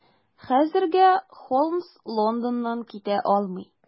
Хәзергә Холмс Лондоннан китә алмый.